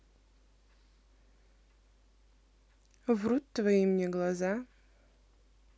врут твои мне глаза